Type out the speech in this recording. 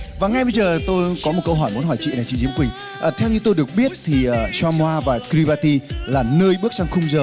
và ngay bây giờ tôi có một câu hỏi muốn hỏi chị là chị diễm quỳnh theo như tôi được biết thì cho moa và ki va ti là nơi bước sang khung giờ